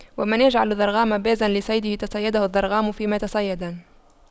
ومن يجعل الضرغام بازا لصيده تَصَيَّدَهُ الضرغام فيما تصيدا